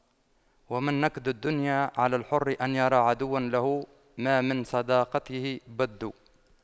ومن نكد الدنيا على الحر أن يرى عدوا له ما من صداقته بد